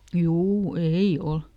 juu ei ole